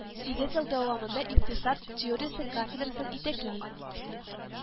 Сигез ел дәвамында икътисад теориясе кафедрасын итәкли